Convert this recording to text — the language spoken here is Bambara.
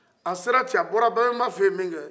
a bɔra babemba fɛ ye mikɛ